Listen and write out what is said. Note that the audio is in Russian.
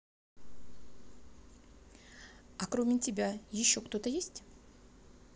а кроме тебя еще кто то есть